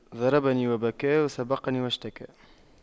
ضربني وبكى وسبقني واشتكى